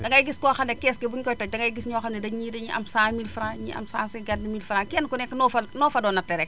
dangay gis koo xam ne kees ga bu ñu koy toj dangay gis ñoo xam ne dañuy am 100000F ñii am 150000F kenn ku nekk noo fa noo fa doon nattee rek